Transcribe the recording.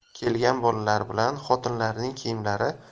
kelgan bolalar bilan xotinlarning